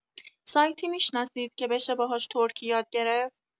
سایتی می‌شناسید که بشه باهاش ترکی یاد گرفت؟